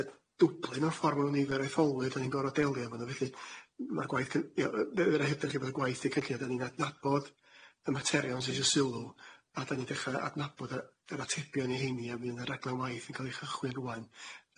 yy dwblin o'r ffor ma' nw'n neidda'r etholwyr do'n i'n gor'o' delio efo nw felly ma'r gwaith cyn- ie yy yy yr oedran lle bod y gwaith yn cynllunio do'n i'n adnabod y materion sy isio sylw a da ni'n adnabod iyr atebion i heini a fydd yna raglan waith yn ca'l ei chychwyn rŵan